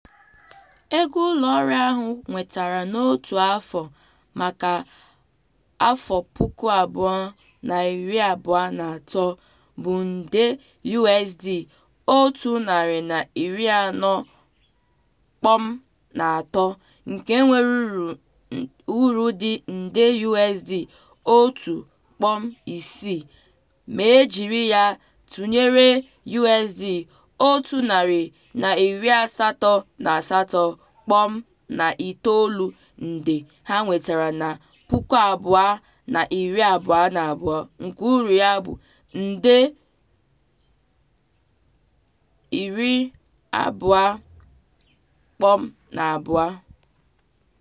Ego ụlọọrụ ahụ nwetara n'otu afọ maka 2023 bụ nde USD 140.3, nke nwere uru dị nde USD 1.6, ma e jiri ya tụnyere USD 188.9 nde ha nwetara na 2022, nke uru ya bụ nde $20.2.